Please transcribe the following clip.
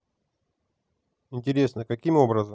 интересно каким образом